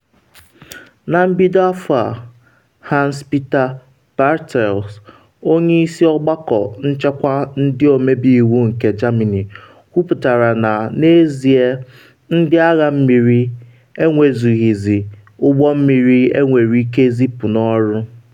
Na mbido afọ a, Hans-Peter Bartels, onye isi ọgbakọ nchekwa ndị ọmebe iwu nke Germany, kwuputara na n’ezie Ndị Agha Mmiri “enwezughịzi ụgbọ mmiri enwere ike zipu n’ọrụ.”